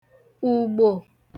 ùgbò